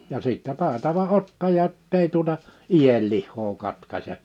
ja sitten taitava ottaja että ei tuota ienlihaa katkaise